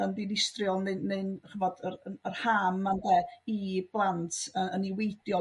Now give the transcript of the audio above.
yn yn dinistriol neu neu'n ch'mbod yr yr harm 'ma ynde? I blant yn niweidiol